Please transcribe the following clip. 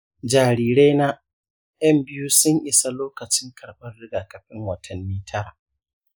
jarirai na yan biyu sun isa lokacin karɓar rigakafin watanni tara.